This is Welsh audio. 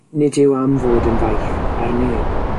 Nid yw am fod yn faich ar neb.